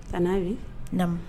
Ka n'a ye na